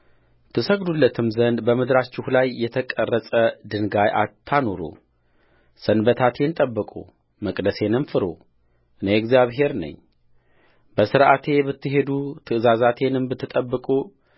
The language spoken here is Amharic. ትሰግዱለትም ዘንድ በምድራችሁ ላይ የተቀረጸ ድንጋይ አታኑሩሰንበታቴን ጠብቁ መቅደሴንም ፍሩ እኔ እግዚአብሔር ነኝበሥርዓቴ ብትሄዱ ትእዛዛቴንም ብትጠብቁ